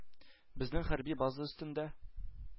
– безнең хәрби база өстендә.